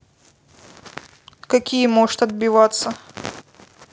какие можт отбиваться